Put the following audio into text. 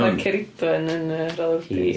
Fatha Ceridwen yn yy Rala Rwdins.